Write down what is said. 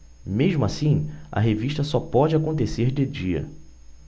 mesmo assim a revista só pode acontecer de dia